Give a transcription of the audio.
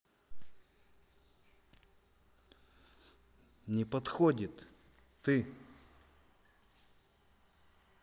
не подходит ты